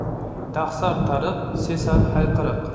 dahsar tariq sesar hayqiriq